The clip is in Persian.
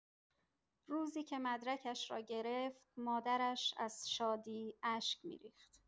روزی که مدرکش را گرفت، مادرش از شادی اشک می‌ریخت.